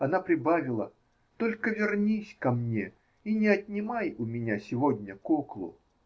Она прибавила: "Только вернись ко мне и не отнимай у меня сегодня куклу".